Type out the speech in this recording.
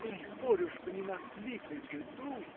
Эй, Борюшка, не накликай беду!